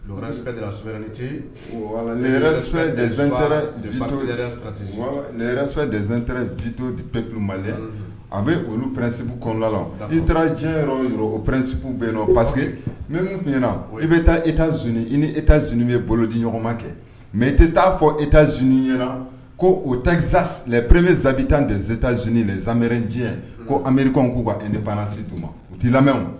Ceztotispdzɛntetptu maliɛlɛ a bɛ olu pɛsp kɔnɔ la i taara diɲɛ yɔrɔ o pɛsip bɛ yen nɔn parce n min tun ɲɛna na e bɛ taa e ta zoni i ni e ta z bɛ bolo ni ɲɔgɔnma kɛ mɛ e tɛ taa fɔ e ta zoni ɲɛna ko o ta pree zsabi tandta z z zanmeɛrencen ko anmeri' ban ani ni bannasitu ma u tɛi lamɛn